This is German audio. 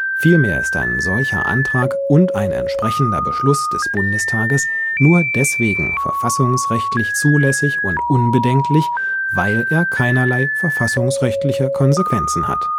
Vielmehr ist ein solcher Antrag und ein entsprechender Beschluss des Bundestages nur deswegen verfassungsrechtlich zulässig und unbedenklich, weil er keinerlei verfassungsrechtliche Konsequenzen hat